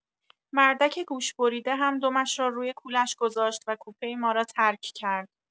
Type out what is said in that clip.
مردک گوش‌بریده هم دمش را روی کولش گذاشت و کوپه ما را ترک کرد.